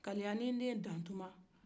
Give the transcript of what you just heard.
kaliyani den dantuma